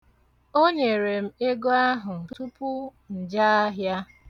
O nyere m ego ahụ tupu m jee ahịa.